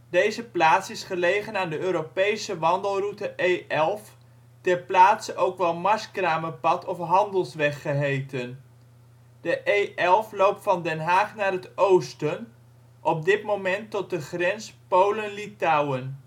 Deze plaats is gelegen aan de Europese wandelroute E11, ter plaatse ook wel Marskramerpad of Handelsweg geheten. De E11 loopt van Den Haag naar het oosten, op dit moment tot de grens Polen/Litouwen